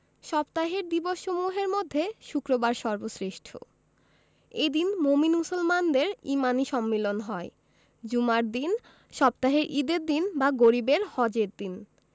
সপ্তাহের দিবসসমূহের মধ্যে শুক্রবার সর্বশ্রেষ্ঠ এদিন মোমিন মুসলমানদের ইমানি সম্মিলন হয় জুমার দিন সপ্তাহের ঈদের দিন বা গরিবের হজের দিন